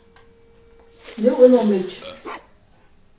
nú er nóg mikið